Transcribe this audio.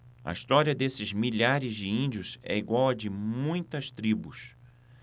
a história desses milhares de índios é igual à de muitas tribos